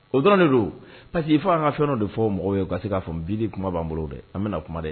O dɔrɔn de don o parce que il faut que an ka fɛn dɔ de fɔ mɔgɔw ye u ka se k'a faamu bi de kuma b'an bolo dɛ an mena kuma dɛ